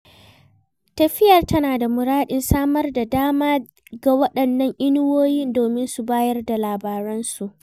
Tafiyar tana da muradin samar da dama ga waɗannan inuwoyin domin su bayar da labaransu.